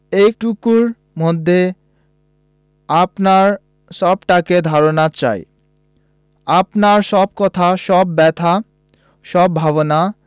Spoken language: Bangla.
এটুকুর মধ্যে আপনার সবটাকে ধরানো চাই আপনার সব কথা সব ব্যাথা সব ভাবনা